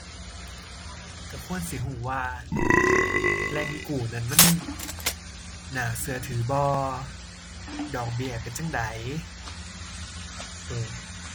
ก็ควรสิก็ว่าแหล่งกู้นั้นมันน่าก็ถือบ่ ดอกเบี้ยเป็นจั่งใด เอ้อ